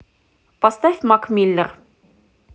поставь мак миллер